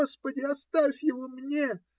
Господи, оставь его мне!